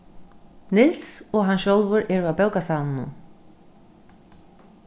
niels og hann sjálvur eru á bókasavninum